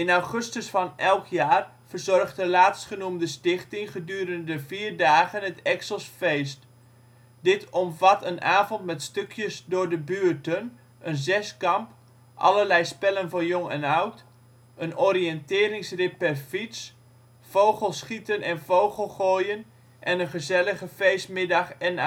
augustus van elk jaar verzorgt de laatstgenoemde stichting gedurende vier dagen het Exels Feest. Dit omvat een avond met stukjes door de buurten, een zeskamp, allerlei spelen voor jong en oud, een oriënteringsrit per fiets, vogelschieten en vogelgooien en een gezellige feestmiddag/avond